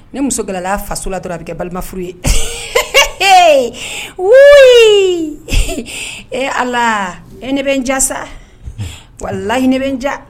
Ne muso gɛlɛla faso la dɔrɔn a bɛ kɛ balima furu ye w e ala e ne bɛ n jasa ko ala hinɛ ne bɛ n ja